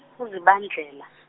uZibandlela .